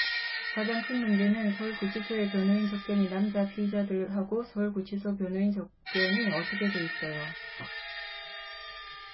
가장 큰 문제는 서울 구치소에 변호인 접견이 남자 피의자들하고 서울 구치소 변호인 접견이 어떻게 돼 있어요